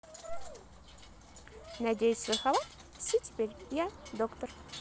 надеваю свой халат все теперь я доктор